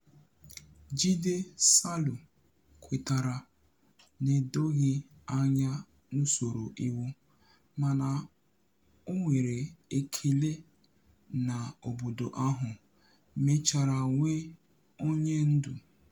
Jide Salu kwetara n'edoghị anya n'usoro iwu, mana o nwere ekele na obodo ahụ mechara nwee onyendu.